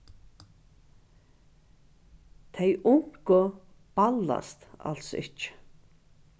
tey ungu ballast als ikki